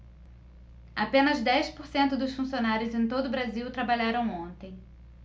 apenas dez por cento dos funcionários em todo brasil trabalharam ontem